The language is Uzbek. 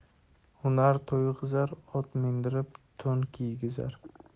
hunar to'yg'izar ot mindirib to'n kiygizar